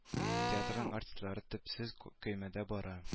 Театрның артистлары төпсез көймәдә бара